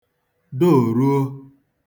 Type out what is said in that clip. doòruo